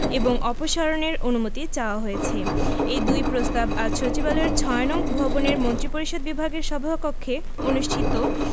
এবং অপসারণের অনুমোদন চাওয়া হয়েছে এ দুই প্রস্তাব আজ সচিবালয়ের ৬ নং ভবনের মন্ত্রিপরিষদ বিভাগের সভাকক্ষে অনুষ্ঠিত